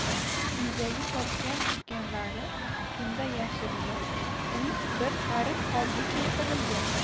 uydagi topgan tutganlari tunda yashirilib uy bir g'arib holga keltirilgan